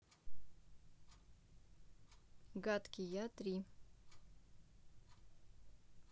гадкий я три